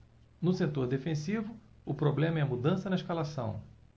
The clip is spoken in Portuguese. no setor defensivo o problema é a mudança na escalação